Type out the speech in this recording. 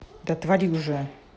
да отвали уже